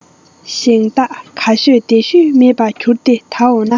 ཞིང བདག ག ཤོད འདི ཤོད མེད པར གྱུར ཏེ ད འོ ན